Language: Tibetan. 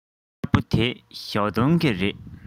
དཀར པོ འདི ཞའོ ཏོན གྱི རེད